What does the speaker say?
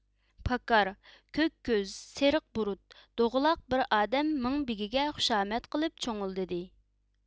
پاكار كۆك كۆز سېرىق بۇرۇت دوغىلاق بىر ئادەم مىڭبېگىگە خۇشامەت قىلىپ چۇڭۇلدىدى